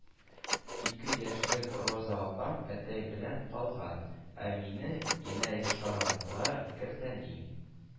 Ике яшьлек Роза апам әтәй белән калган, ә мине инәй Шаранга, картәни